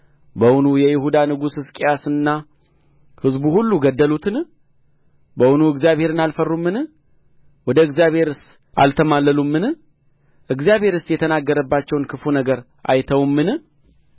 በውኑ የይሁዳ ንጉሥ ሕዝቅያስና ሕዝቡ ሁሉ ገደሉትን በውኑ እግዚአብሔርን አልፈሩምን ወደ እግዚአብሔርስ አልተማለሉምን እግዚአብሔርስ የተናገረባቸውን ክፉ ነገር አይተውምን